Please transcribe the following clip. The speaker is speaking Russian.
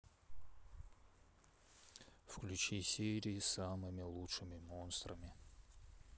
включи серии с самыми лучшими монстрами